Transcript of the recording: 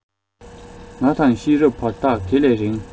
ང དང ཤེས རབ བར ཐག དེ ལས རིང